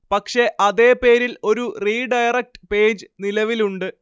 പക്ഷെ അതേ പേരിൽ ഒരു റീഡയറക്ട് പേജ് നിലവിലുണ്ട്